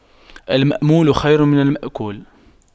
المأمول خير من المأكول